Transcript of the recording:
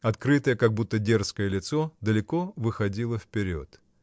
Открытое, как будто дерзкое лицо далеко выходило вперед.